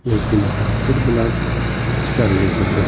xavotir bilan ichkariga kirdi